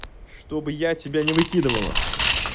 чтобы я тебя не выкидывала